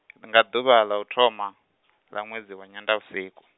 nga ḓuvha ḽa u thoma, ḽa ṅwedzi wa nyendavhusiku.